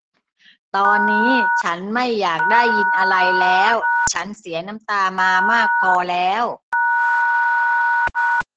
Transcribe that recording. ตอนนี้ฉันไม่อยากได้ยินอะไรแล้วฉันเสียน้ำตามามากพอแล้ว